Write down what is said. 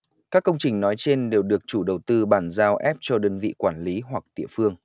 các công trình nói trên đều được chủ đầu tư bàn giao ép cho đơn vị quản lý hoặc địa phương